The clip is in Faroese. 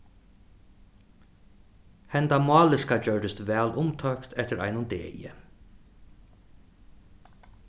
henda máliska gjørdist væl umtókt eftir einum degi